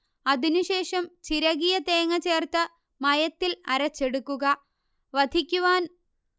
അതിനുശേഷം ചിരകിയ തേങ്ങ ചേർത്ത് മയത്തിൽ അരച്ചെടുക്കുക